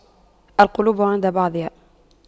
القلوب عند بعضها